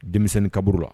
Denmisɛnnin kaburu la